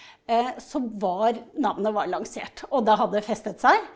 så var, navnet var lansert og det hadde festet seg.